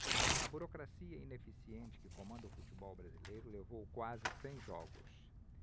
a burocracia ineficiente que comanda o futebol brasileiro levou quase cem jogos